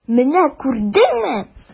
Менә күрдеңме?